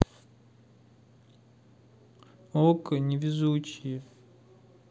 окко невезучие